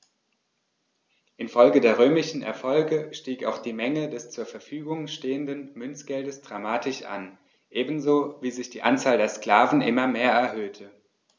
Infolge der römischen Erfolge stieg auch die Menge des zur Verfügung stehenden Münzgeldes dramatisch an, ebenso wie sich die Anzahl der Sklaven immer mehr erhöhte.